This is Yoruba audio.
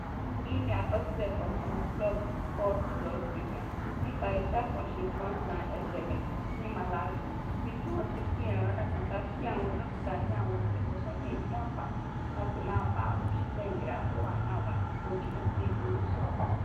Èyí ni àkọsílẹ̀ kan nínu búlọ́ọ̀gù Pulse + Signal nípa iṣẹ́ àkànṣe FrontlineSMS ní Malawi, níbi tí wọ́n ti pín ẹ̀rọ alágbéká kí àwọn dókítà ní àwọn ilé ìwòsàn lè ní anfààní láti máa bá àwọn òṣiṣẹ́ ìlera tó wà ní àwọn ìlú tó jìnnà sí ìgboro ṣọ̀rọ̀.